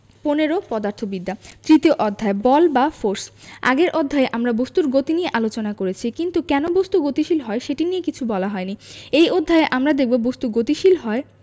১৫ পদার্থবিদ্যা তৃতীয় অধ্যায় বল বা ফোরস আগের অধ্যায়ে আমরা বস্তুর গতি নিয়ে আলোচনা করেছি কিন্তু কেন বস্তু গতিশীল হয় সেটি নিয়ে কিছু বলা হয়নি এই অধ্যায়ে আমরা দেখব বস্তু গতিশীল হয়